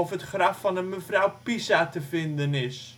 het graf van een mevrouw Pisa te vinden is